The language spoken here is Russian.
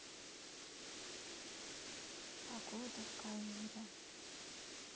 погода в каире